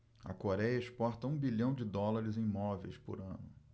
a coréia exporta um bilhão de dólares em móveis por ano